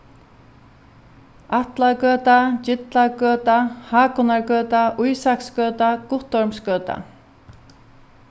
atlagøta gillagøta hákunargøta ísaksgøta guttormsgøta